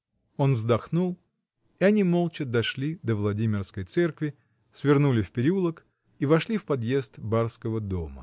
Он вздохнул, и они молча дошли до Владимирской церкви, свернули в переулок и вошли в подъезд барского дома.